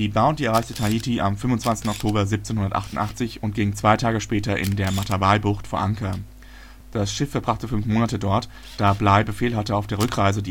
Bounty erreichte Tahiti am 25. Oktober 1788 und ging zwei tage später in der Matavai-Bucht vor Anker. Das Schiff verbrachten fünf Monate dort, da Bligh Befehl hatte, auf der Rückreise